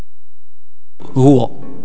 هو